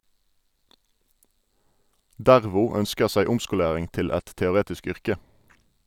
Dervo ønsker seg omskolering til et teoretisk yrke.